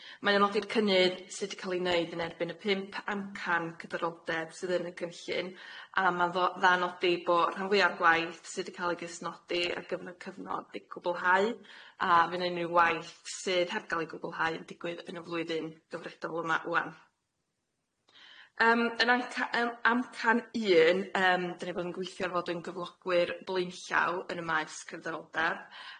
Mae o'n nodi'r cynnydd sydd i ca'l ei neud yn erbyn y pump amcan cydraddoldeb sydd yn y cynllun a ma'n ddo- ddanodi bo' rhan fwya'r gwaith sydd i ca'l ei gysnodi ar gyfnod cyfnod i gwblhau a fy'n unryw waith sydd heb ga'l ei gwblhau yn digwydd yn y flwyddyn gyfredol yma ŵan. Yym yn anca- yn amcan un yym dan ni fod yn gweithio ar fod yn gyflogwyr blaenllaw yn y maes cydraddoldeb.